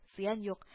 Зыян юк